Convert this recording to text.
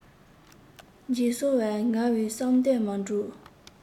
འཇིབས སོང བས ངའི བསམ དོན མ གྲུབ